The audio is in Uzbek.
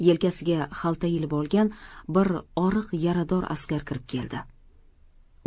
yelkasiga xalta ilib olgan bir oriq yarador askar kirib keldi